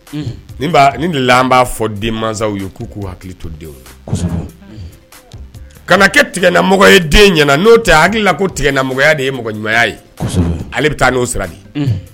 Unhun nin baa nin de la an b'a fɔ denmansaw ye k'u k'u hakili t'u denw na kosɛbɛ unhun kana kɛ tigɛnamɔgɔ ye den ɲɛna nontɛ a hakili la ko tigɛnamɔgɔya de ye mɔgɔɲumanya ye kosɛbɛ ale be taa n'o sira de ye unhun